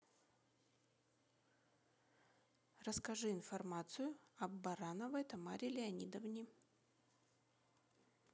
расскажи информацию об барановой тамаре леонидовне